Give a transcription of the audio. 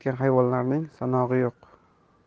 hayvonlarning sanog'i yo'q